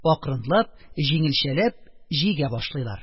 Акрынлап, җиңелчәләп җигә башлыйлар.